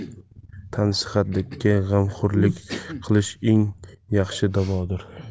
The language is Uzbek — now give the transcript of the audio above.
tansihatlikka g'amxo'rlik qilish eng yaxshi davodir